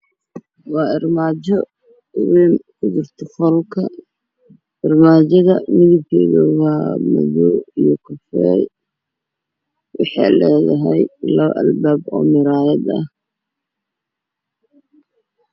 Waa armaajo wayn oo ku jirta qolka armaajada midabkeedu waa madow iyo kafaay waxay leedahay labo albaab oo muraayad ah